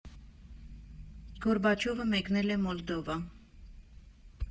Գորբաչովը մեկնել է Մոլդովա։